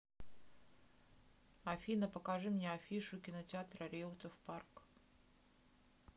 афина покажи мне афишу кинотеатра реутов парк